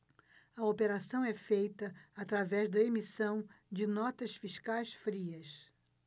a operação é feita através da emissão de notas fiscais frias